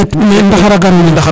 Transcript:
me ndaxara garuna